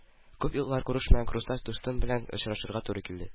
Күп еллар күрешмәгән курсташ дустым белән очрашырга туры килде